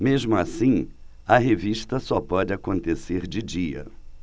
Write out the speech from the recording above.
mesmo assim a revista só pode acontecer de dia